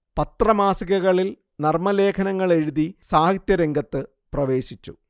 പത്രമാസികകളിൽ നർമലേഖനങ്ങളെഴുതി സാഹിത്യ രംഗത്തു പ്രവേശിച്ചു